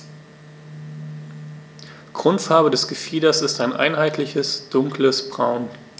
Grundfarbe des Gefieders ist ein einheitliches dunkles Braun.